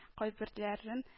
Кайберләрен